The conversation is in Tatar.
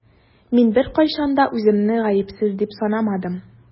Мин беркайчан да үземне гаепсез дип санамадым.